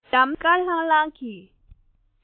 འཇམ ཐིང ངེར དཀར ལྷང ལྷང གི